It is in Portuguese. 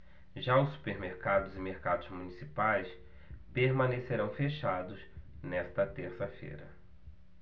já os supermercados e mercados municipais permanecerão fechados nesta terça-feira